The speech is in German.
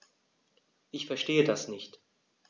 Ich verstehe das nicht.